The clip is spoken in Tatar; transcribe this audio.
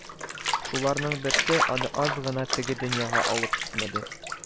Шуларның берсе аны аз гына теге дөньяга алып китмәде